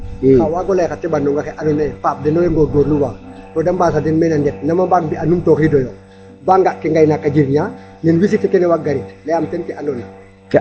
Xar waag o lay xa teɓandong axe andoona yee Pape den oway ngoorngourluwaa to da mbaas a den men a ndet nam a mbaag mbi' a numtooxiidooyo ba nga' ke ngaynaak a jirñaa waag garit layaam ke andoona.